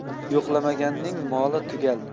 yo'qlamaganning moli tugal